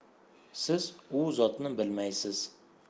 siz u zotni bilmaysiz